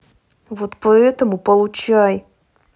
вот поэтому получай